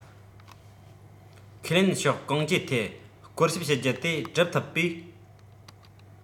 ཁས ལེན ཕྱོགས གང ཅིའི ཐད སྐོར ཞིབ བྱེད རྒྱུ དེ སྒྲུབ ཐུབ པས